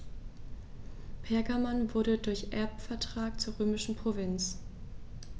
Pergamon wurde durch Erbvertrag zur römischen Provinz.